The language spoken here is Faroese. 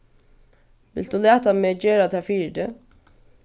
vilt tú lata meg gera tað fyri teg